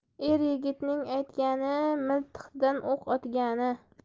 er yigitning aytgani miltiqdan o'q otgani